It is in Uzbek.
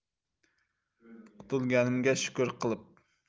qutulganimga shukur qilib